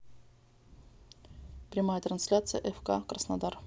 прямая трансляция фк краснодар